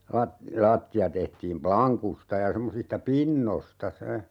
- lattia tehtiin lankusta ja semmoisista pinnoista se